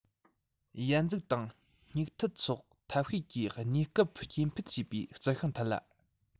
ཡལ འཛུགས དང མྱུག མཐུད སོགས ཐབས ཤེས ཀྱིས གནས སྐབས སྐྱེ འཕེལ བྱས པའི རྩི ཤིང ཐད ལ